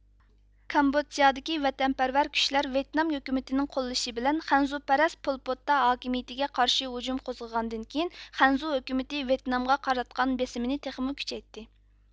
كامبودژادىكى ۋەتەنپەرۋەر كۈچلەر ۋيېتنام ھۆكۈمىتىنىڭ قوللىشى بىلەن خەنزۇپەرەس پولپوتتا ھاكىمىيىتىگە قارشى ھۇجۇم قوزغىغاندىن كېيىن خەنزۇ ھۆكۈمىتى ۋيېتنامغا قاراتقان بېسىمىنى تېخىمۇ كۈچەيتتى